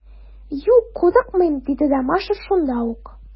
Юк, курыкмыйм, - диде Ромашов шунда ук.